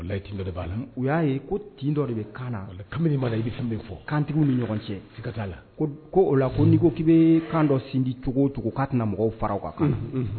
La o y'a ye ko tin dɔ de bɛ kaana kamalen i bɛ fɛn bɛ fɔ kantigiw ni ɲɔgɔn cɛ ka la ko o la ko n ko k'i bɛ kandɔ sindi cogo cogo' tɛna mɔgɔw fara kan kan